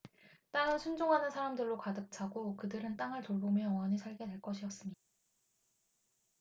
땅은 순종하는 사람들로 가득 차고 그들은 땅을 돌보며 영원히 살게 될 것이었습니다